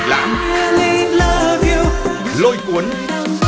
lãm lôi cuốn